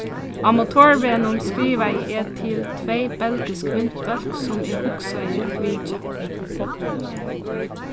á motorvegnum skrivaði eg til tvey belgisk vinfólk sum eg hugsaði at vitja